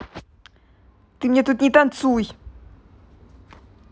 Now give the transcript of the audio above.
ты мне тут не танцуй